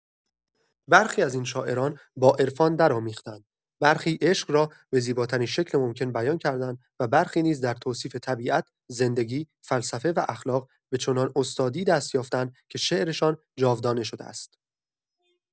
برخی از این شاعران با عرفان درآمیخته‌اند، برخی عشق را به زیباترین شکل ممکن بیان کرده‌اند و برخی نیز در توصیف طبیعت، زندگی، فلسفه و اخلاق به چنان استادی دست یافته‌اند که شعرشان جاودانه شده است.